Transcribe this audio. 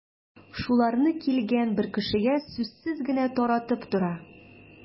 Шуларны килгән бер кешегә сүзсез генә таратып тора.